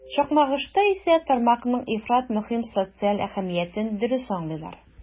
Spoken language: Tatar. Чакмагышта исә тармакның ифрат мөһим социаль әһәмиятен дөрес аңлыйлар.